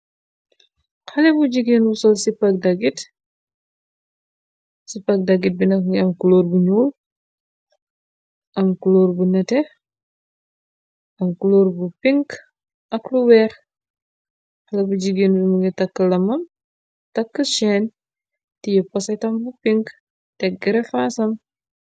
Xale bu jigeen bu sol ci pag daggit. Ci pag daggit bi nax ni am kuloor bu ñuul, am kuloor bu nete, am kulóor bu pink ,ak lu weer ,xale bu jigéen wumu nga takk lamam takk cheen ti yu posatam bu pink tek gera faasam.